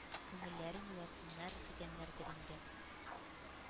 Күңелләрен юатсыннар, дигәннәрдер инде.